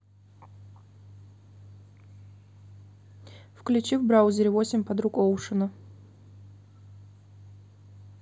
включи в браузере восемь подруг оушена